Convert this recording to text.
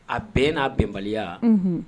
A bɛn n'a bɛnbaliya